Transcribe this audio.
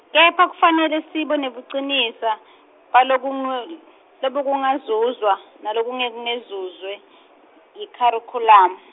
kepha kufanele sibe nebucinisa balokungu- se balokungazuzwa nalokungeke kwazuzwa yikharikhulamu.